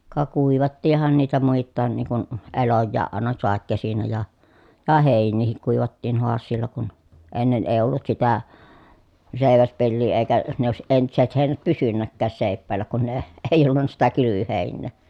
ka kuivattiinhan niitä muitakin niin kuin eloja aina sadekesinä ja ja heiniäkin kuivattiin haasialla kun ennen ei ollut sitä seiväspeliä eikä ne olisi entiset heinät pysynytkään seipäällä kun ne - ei ollut sitä kylvöheinää